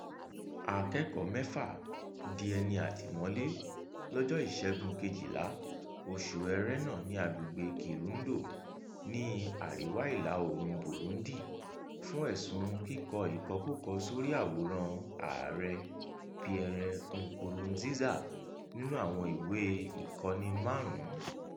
Akẹ́kọ̀ọ́ mẹ́fà di ẹni àtìmọ́lé lọjọ́ Ìṣẹ́gun 12, oṣù Ẹrẹ́nà ní agbègbè Kirundo ní Àríwá Ìlà-oòrùn Burundi fún ẹ̀sùn-un kíkọ ìkọkúkọ sórí àwòrán Ààrẹ Pierre Nkurunziza nínú àwọn ìwé ìkọ́ni márùn-ún.